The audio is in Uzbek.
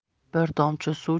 bir tomchi suv